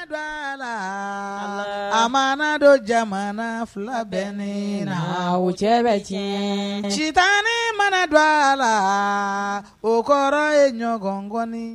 A la a mana don jamana fila bɛ ne na o cɛ bɛ tiɲɛ citan ni mana don a la o kɔrɔ ye ɲɔgɔn ŋ